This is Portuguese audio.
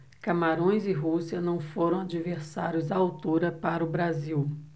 camarões e rússia não foram adversários à altura para o brasil